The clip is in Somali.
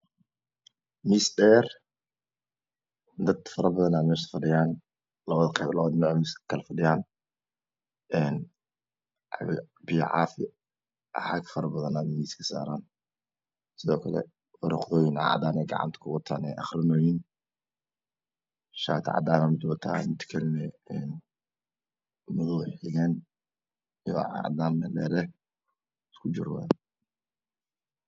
Miisdheer dadfarobadan ayameshafadhiyan Labada qeeb Lamada dhinac miska kakalafadhiyan biyocafi caagfaro badan aya miskasaran sidokale waraqadcadan ayey gacantakawan ayey aqrinoyin shaticadan aya midwata intakalana madow xigen iyo cadcadan meldher eh